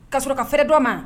Ka sɔrɔ ka fɛrɛ dɔ ma